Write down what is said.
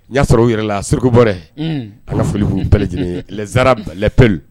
I y'a sɔrɔ o yɛrɛ la surukubrɛ a ka folikun plɛ lajɛlen zsara lɛpl